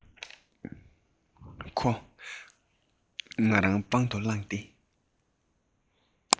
ཁོས ང རང པང དུ བླངས ཏེ